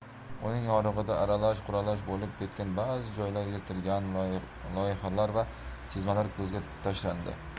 uning yorug'ida aralash quralash bo'lib ketgan bazi joylari yirtilgan loyihalar va chizmalar ko'zga tashlandi